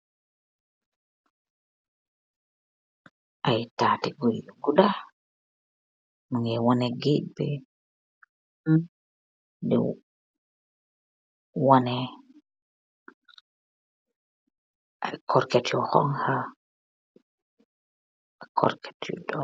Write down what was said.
Aiiy taati guiiy yu guda, mungeh wohneh gejj bii, dii wohneh aiiy corrigate yu honha ak corrigate yu dd.